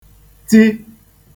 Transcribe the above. ti